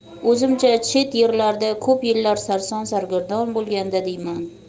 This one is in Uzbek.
o'zimcha chet yerlarda ko'p yillar sarson sargardon bo'lganda deyman